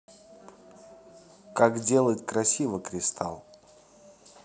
как делать красиво кристалл